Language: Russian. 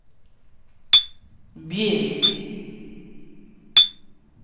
бей